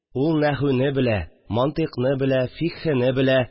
Ул нәхүне белә, мантайкны белә, фикъһене белә